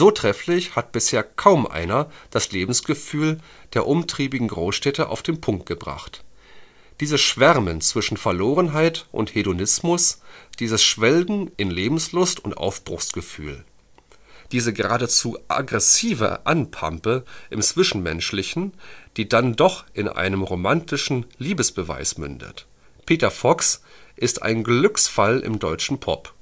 trefflich hat bisher kaum einer das Lebensgefühl der umtriebigen Großstädter auf den Punkt gebracht. Dieses Schwärmen zwischen Verlorenheit und Hedonismus, dieses Schwelgen in Lebenslust und Aufbruchsgefühl. Diese geradezu aggressive Anpampe im Zwischenmenschlichen, die dann doch in einem romantischen Liebesbeweis mündet. Peter Fox ist ein Glücksfall im deutschen Pop